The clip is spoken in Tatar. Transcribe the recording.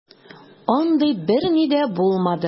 Андый берни дә булмады.